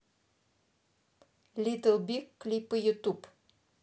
литл биг клипы ютуб